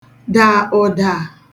dà ùdà